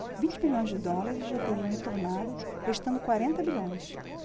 vinte bilhões de dólares já teriam retornado restando quarenta bilhões